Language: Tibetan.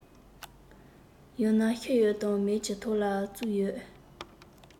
ཡང ན ཤི ཡོད དང མེད ཀྱི ཐོག ལ བཙུགས ཡོད